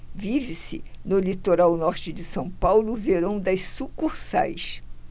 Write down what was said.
vive-se no litoral norte de são paulo o verão das sucursais